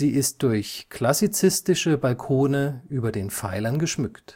ist durch klassizistische Balkone über den Pfeilern geschmückt